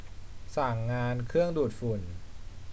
สั่งงานเครื่องดูดฝุ่น